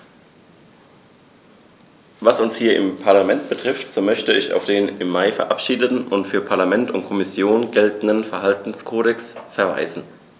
Was uns hier im Parlament betrifft, so möchte ich auf den im Mai verabschiedeten und für Parlament und Kommission geltenden Verhaltenskodex verweisen.